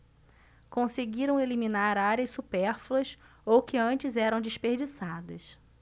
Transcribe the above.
conseguiram eliminar áreas supérfluas ou que antes eram desperdiçadas